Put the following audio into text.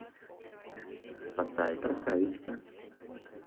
спасая красавичка